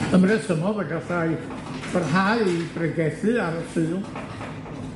Ymresymodd y gallai barhau i bregethu ar y Sul,